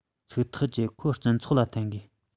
ཚིག ཐག བཅད ཁོ སྤྱི ཚོགས ལ བརྟེན དགོས